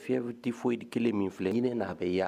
Fièvre tiphoide kelen min filɛ ni n'a bɛ yala